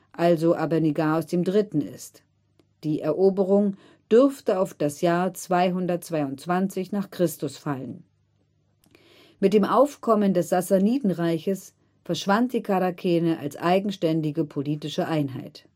also Abinergaos III.) ist. Die Eroberung dürfte auf das Jahr 222 n. Chr. fallen. Mit dem Aufkommen des Sassanidenreiches verschwand die Charakene als eigenständige politische Einheit